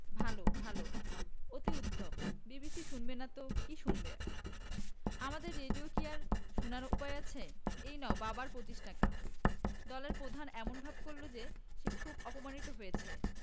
ভাল ভাল অতি উত্তম বিবিসি শুনবেনা তো কি শুনবে ‘আমাদের রেডিও কি আর শোনার উপায় আছে এই নাও বাবার পঁচিশ টাকা দলের প্রধান এমন ভাব করল যে সে খুবই অপমানিত হয়েছে